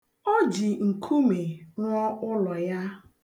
O ji nkume rụọ ụlọ ya.